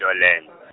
Tsoleng .